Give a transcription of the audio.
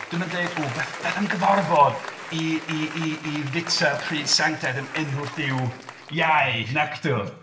Dwi'm yn dweud; "Ww beth... beth am gyfarfod i... i... i fwyta pryd sanctaidd yn enw'r Duw Iau" nac ydw?